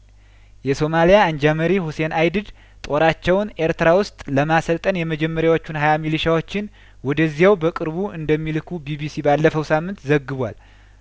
የሶማልያ አንጃ መሪ ሁሴን አይዲድ ጦራቸውን ኤርትራ ውስጥ ለማሰልጠን የመጀመሪያዎቹን ሀያ ሚሊሺያዎችን ወደዚያው በቅርቡ እንደሚልኩ ቢቢሲ ባለፈው ሳምንት ዘግቧል